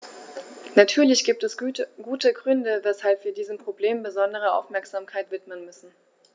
Natürlich gibt es gute Gründe, weshalb wir diesem Problem besondere Aufmerksamkeit widmen müssen.